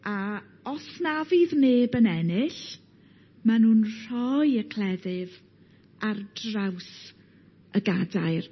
a os na fydd neb yn ennill, maen nhw'n rhoi y cleddyf ar draws y gadair.